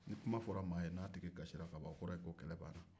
n'i kuma fɔra maa ye n'a tigi kasira kaban o kɔrɔ ye ko kɛlɛ banna